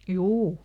juu